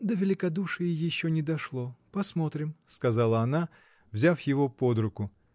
— До великодушия еще не дошло, посмотрим, — сказала она, взяв его под руку.